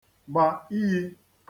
gbà iyi